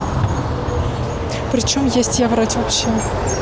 причем есть я врать вообще